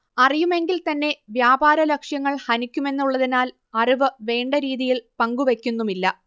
അറിയുമെങ്കിൽത്തന്നെ വ്യാപാര ലക്ഷ്യങ്ങൾ ഹനിക്കുമെന്നുള്ളതിനാൽ അറിവ് വേണ്ടരീതിയിൽ പങ്കുവെക്കുന്നുമില്ല